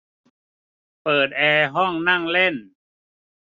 เปิดแอร์ห้องนั่งเล่น